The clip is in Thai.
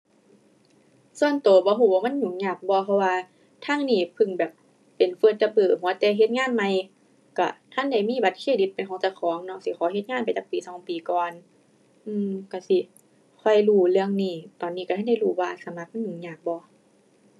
ส่วนตัวบ่ตัวว่ามันยุ่งยากบ่ เพราะว่าทางนี้พึ่งแบบเป็น first jobber หัวแต่เฮ็ดงานใหม่ ตัวทันได้มีบัตรเครดิตเป็นของเจ้าของเนาะ สิขอเฮ็ดงานไปจักปีสองปีก่อน อือ ตัวสิค่อยรู้เรื่องนี้ ตอนนี้ตัวทันได้รู้ว่าสมัครมันยุ่งยากบ่